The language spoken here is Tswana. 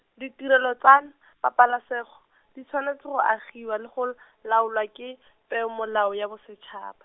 ditirelo tsan-, pabalesego, di tshwanetse go agiwa le go l- , laolwa ke , peomolao ya bosetšhaba.